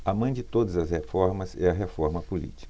a mãe de todas as reformas é a reforma política